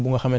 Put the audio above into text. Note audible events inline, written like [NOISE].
[HESITATION] [HESITATION]